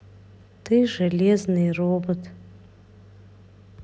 ты железный робот